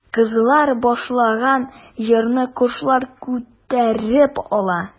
Кызлар башлаган җырны кошлар күтәреп ала.